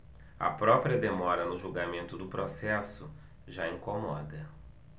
a própria demora no julgamento do processo já incomoda